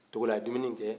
togola a ye dumuni in kɛ